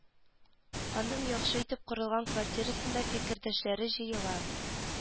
Аның яхшы итеп корылган квартирасында фикердәшләре җыела